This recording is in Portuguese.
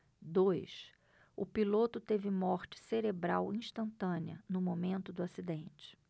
dois o piloto teve morte cerebral instantânea no momento do acidente